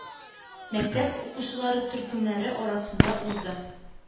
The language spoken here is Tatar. Мәктәп укучылары төркемнәре арасында узды.